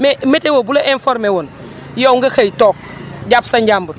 mais météo bu la informer woon yow nga xëy toog jàpp sa njàmbur